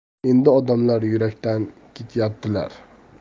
endi odamlar yurakdan ketyaptilar